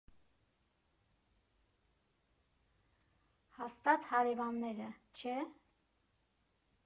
Հաստատ հարևանները, չէ՞։